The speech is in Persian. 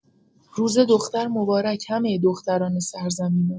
روز دختر مبارک همه دختران سرزمینم!